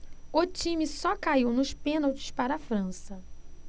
o time só caiu nos pênaltis para a frança